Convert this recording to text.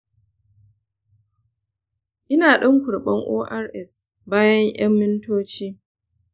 ina ɗan kurɓa ors bayan ƴan mintoci.